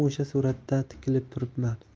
o'sha suratga tikilib turibman